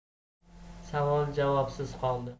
savol javobsiz qoldi